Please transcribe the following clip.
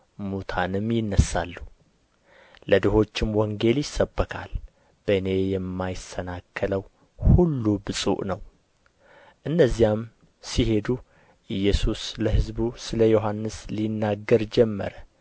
ሙታንም ይነሣሉ ለድሆችም ወንጌል ይሰበካል በእኔም የማይሰናከለው ሁሉ ብፁዕ ነው እነዚያም ሲሄዱ ኢየሱስ ለሕዝቡ ስለ ዮሐንስ ሊናገር ጀመረ